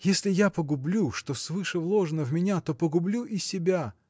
Если я погублю, что свыше вложено в меня, то погублю и себя.